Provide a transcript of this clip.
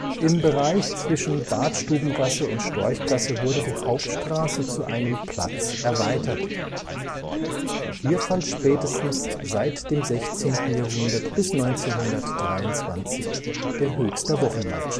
Im Bereich zwischen Badstubengasse und Storchgasse wurde die Hauptstraße zu einem Platz erweitert. Hier fand spätestens seit dem 16. Jahrhundert bis 1923 der Höchster Wochenmarkt